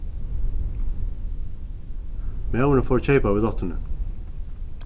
maðurin fór at keypa við dóttrini